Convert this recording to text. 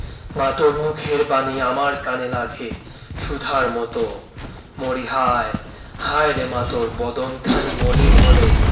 মা তোর মুখের বাণী আমার কানে লাগে সুধার মতো মরিহায় হায়রে মা তোর বদন খানি মলিন হলে